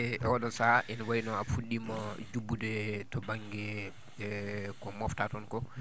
e o?on sahaa ene wayi no a fu??iima jubbude to ba?nge e eko moftaa toon ko